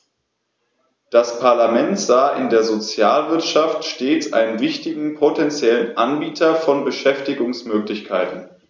Das Parlament sah in der Sozialwirtschaft stets einen wichtigen potentiellen Anbieter von Beschäftigungsmöglichkeiten.